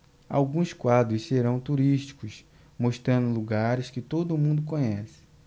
alguns quadros serão turísticos mostrando lugares que todo mundo conhece